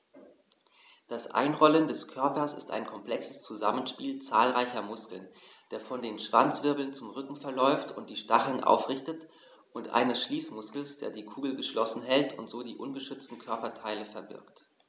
Das Einrollen des Körpers ist ein komplexes Zusammenspiel zahlreicher Muskeln, der von den Schwanzwirbeln zum Rücken verläuft und die Stacheln aufrichtet, und eines Schließmuskels, der die Kugel geschlossen hält und so die ungeschützten Körperteile verbirgt.